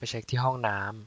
ไปเช็คที่ห้องน้ำ